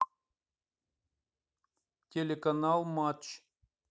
телеканал матч